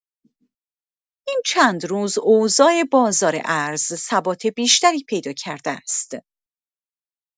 این چندروز اوضاع بازار ارز ثبات بیشتری پیدا کرده است.